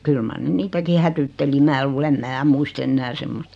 kyllä mar ne niitäkin hätyytteli minä luulen en minä muista enää semmoista